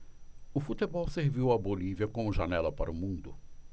o futebol serviu à bolívia como janela para o mundo